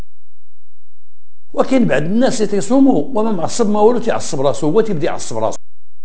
وكن بعد الناس يصوموا وانا معصبه ولا شيء